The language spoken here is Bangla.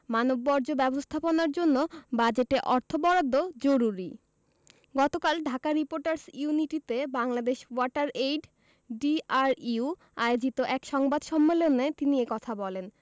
মানববর্জ্য ব্যবস্থাপনার জন্য বাজেটে অর্থ বরাদ্দ জরুরি গতকাল ঢাকা রিপোর্টার্স ইউনিটিতে বাংলাদেশ ওয়াটার এইড ডিআরইউ আয়োজিত এক সংবাদ সম্মেলন তিনি এ কথা বলেন